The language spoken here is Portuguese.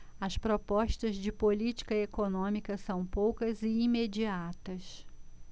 as propostas de política econômica são poucas e imediatas